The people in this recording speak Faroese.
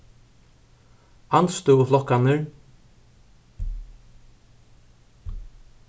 andstøðuflokkarnir